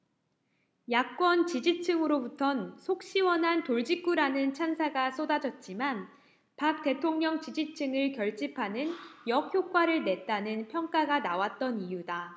야권 지지층으로부턴 속시원한 돌직구라는 찬사가 쏟아졌지만 박 대통령 지지층을 결집하는 역효과를 냈다는 평가가 나왔던 이유다